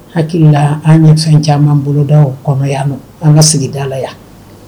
An ɲɛ caman boloda kɔnɔ yan an ka sigida yan